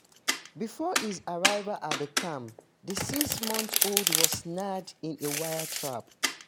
Before his arrival at the camp, the six-month-old was snared in a wire trap.